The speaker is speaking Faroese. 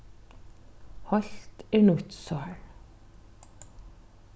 heilt er nýtt sár